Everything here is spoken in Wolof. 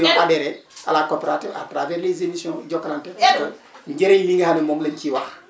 qui ont adhéré à la coopérative à tracvers les émissions Jokalante et njëriñ li nga xam ne moom la ñu ciy wax